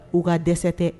U ka dɛsɛ tɛ